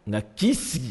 Nga ki sigi